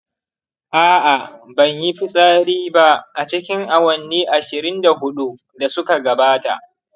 a’a, ban yi fitsari ba a cikin awanni ashirin da hudu da suka gabata.